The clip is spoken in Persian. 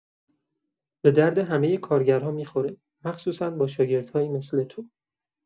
به درد همه کارگاه‌ها می‌خوره، مخصوصا با شاگردهایی مثل تو.